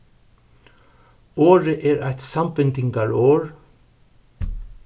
orðið er eitt sambindingarorð